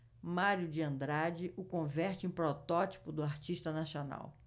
mário de andrade o converte em protótipo do artista nacional